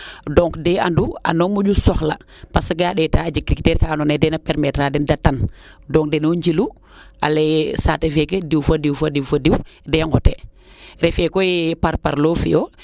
donc de andu ana moƴu soxla parce que gaa ndeeta a jeg critere kaa ando naye dena permettre a den de tan donc deno njilu a leyee saate feeke diw fo diw fo diw de ngote refee koy ye parparlo fiyo